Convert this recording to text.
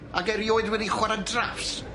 Ag erioed wedi chwara draffs?